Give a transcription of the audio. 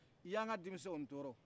i y'anka demiseninw tɔɔrɔ